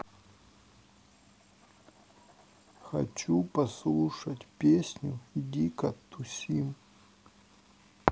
хочу послушать песню дико тусим